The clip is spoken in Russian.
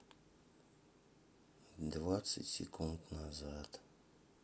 двадцать секунд назад